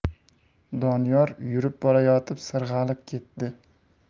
doniyor yurib borayotib sirg'alib ketdi